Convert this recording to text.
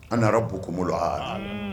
Anbuko bolo h